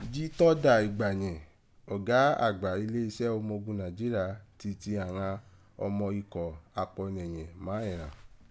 Jí tó dà ùgbà yẹ̀n, ọga agba ileusẹ́ ọma ogun Naijria ti tì àghan ọmọ ikọ̀ apọnẹ yẹ̀n má ẹ̀ghàn.